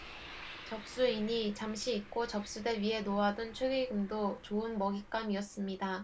접수인이 잠시 잊고 접수대 위에 놓아둔 축의금도 좋은 먹잇감이었습니다